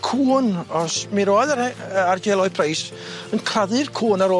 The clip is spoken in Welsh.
cŵn os mi roedd yr he- yy Are Jay Lloyd Price yn claddu'r cŵn ar